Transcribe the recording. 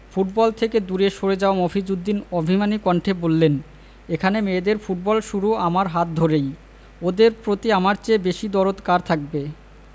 football থেকে দূরে সরে যাওয়া মফিজ উদ্দিন অভিমানী কণ্ঠে বললেন এখানে মেয়েদের ফুটবল শুরু আমার হাত ধরেই ওদের প্রতি আমার চেয়ে বেশি দরদ কার থাকবে